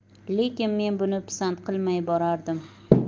lekin men buni pisand qilmay borardim